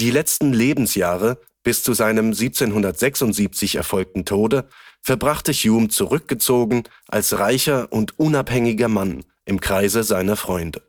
letzten Lebensjahre bis zu seinem 1776 erfolgten Tode verbrachte Hume zurückgezogen als reicher und unabhängiger Mann im Kreise seiner Freunde